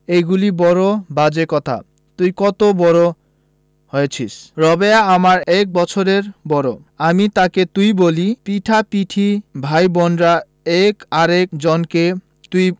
এগুলি বড় বাজে কথা তুই কত বড় হয়েছিস রাবেয়া আমার এক বৎসরের বড় আমি তাকে তুই বলি পিঠাপিঠি ভাই বোনের এক আরেক জনকে তুই